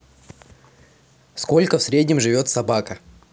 сколько в среднем живет собака